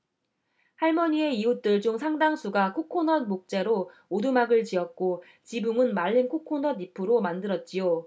할머니의 이웃들 중 상당수가 코코넛 목재로 오두막을 지었고 지붕은 말린 코코넛 잎으로 만들었지요